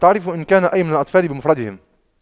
تعرف ان كان أي من الأطفال بمفردهم